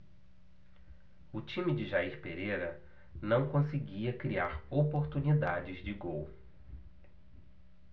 o time de jair pereira não conseguia criar oportunidades de gol